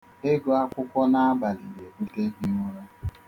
Ịgụ akwụkwọ n'abalị na-ebute ehighịụra.